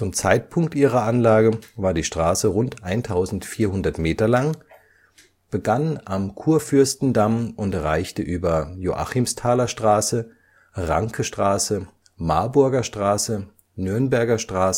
Zeitpunkt ihrer Anlage war die Straße rund 1400 Meter lang, begann am Kurfürstendamm und reichte über Joachimsthaler Straße, Rankestraße, Marburger Straße, Nürnberger Straße